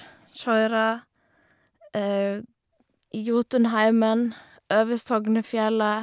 Kjøre Jotunheimen, over Sognefjellet.